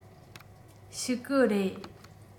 བཤིག གི རེད